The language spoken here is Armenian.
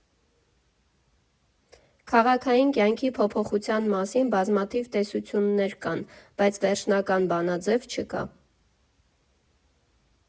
Քաղաքային կյանքի փոփոխության մասին բազմաթիվ տեսություններ կան, բայց վերջնական բանաձև չկա։